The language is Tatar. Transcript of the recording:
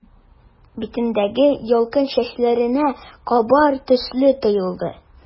Битендәге ялкын чәчләренә кабар төсле тоелды.